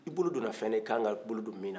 i bolo donna fɛn na i ka kan k'i bolo don minna